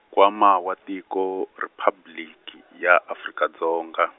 Nkwama wa Tiko, Riphabliki, ya Afrika Dzonga.